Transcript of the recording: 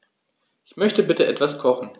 Ich möchte bitte etwas kochen.